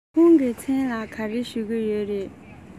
ཁོང གི མཚན ལ ག རེ ཞུ གི ཡོད རེད